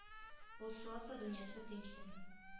Ул су асты дөньясы димсең